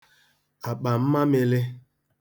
àkpà mmamị̄lị̄